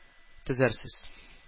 Төзәрсез